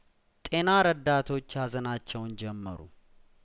ጤና ረዳቶች ሀዘናቸውን ጀመሩ